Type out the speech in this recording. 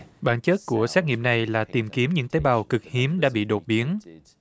bản chất của xét nghiệm này là tìm kiếm những tế bào cực hiếm đã bị đột biến